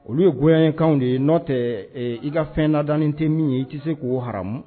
Olu ye goyan n ye kan de ye, n'o tɛ i ka fɛn dannen tɛ min ye i tɛ se k'o haram